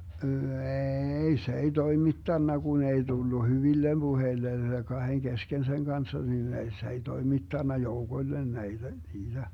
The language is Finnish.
ei se ei toimittanut kun ei tullut hyville puheille kahden kesken sen kanssa niin ei se ei toimittanut joukoille näitä niitä